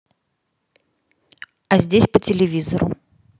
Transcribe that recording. а здесь по телевизору